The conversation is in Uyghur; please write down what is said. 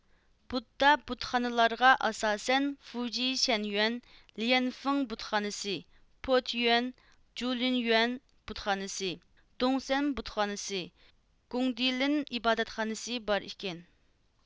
بۇددا بۇتخانىلارغا ئاساسەن فۇچى شەنيۈەن لىيەنفىڭ بۇتخانىسى پوتىيۈەن جولىنيۈەن بۇدخانىسى دۇڭسەن بۇدخانىسى گۇڭدېلىن ئىبادەتخانىسى بار ئىكەن